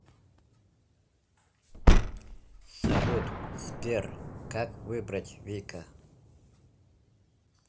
салют сбер как выбрать вика